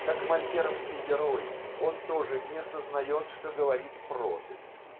Как мольеровский герой, он тоже не сознает, что говорит прозой.